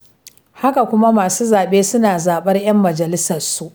Haka kuma, masu zaɓe suna zaɓar 'yan majalisarsu.